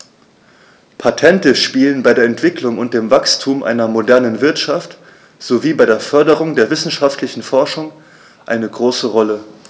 Patente spielen bei der Entwicklung und dem Wachstum einer modernen Wirtschaft sowie bei der Förderung der wissenschaftlichen Forschung eine große Rolle.